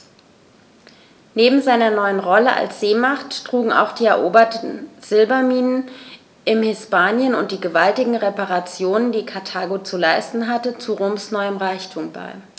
Neben seiner neuen Rolle als Seemacht trugen auch die eroberten Silberminen in Hispanien und die gewaltigen Reparationen, die Karthago zu leisten hatte, zu Roms neuem Reichtum bei.